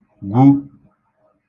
gwu